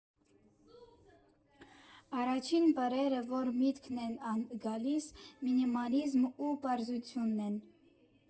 Առաջին բառերը, որ միտքդ են գալիս՝ մինիմալիզմն ու պարզությունն են։